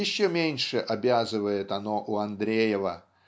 еще меньше обязывает оно у Андреева